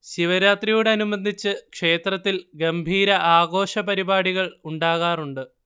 ശിവരാത്രിയോടനുബന്ധിച്ച് ക്ഷേത്രത്തിൽ ഗംഭീര ആഘോഷപരിപാടികൾ ഉണ്ടാകാറുണ്ട്